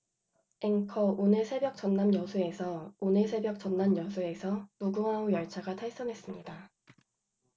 앵커 오늘 새벽 전남 여수에서 오늘 새벽 전남 여수에서 무궁화호 열차가 탈선했습니다